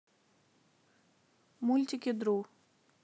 мультики дру